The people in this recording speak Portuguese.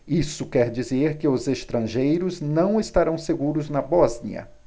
isso quer dizer que os estrangeiros não estarão seguros na bósnia